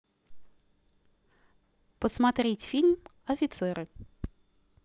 посмотреть фильм офицеры